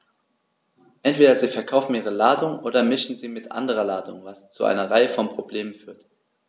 Entweder sie verkaufen ihre Ladung oder mischen sie mit anderer Ladung, was zu einer Reihe von Problemen führt.